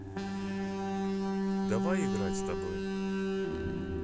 давай играть с тобой